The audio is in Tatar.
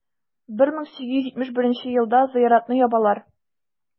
1871 елда зыяратны ябалар.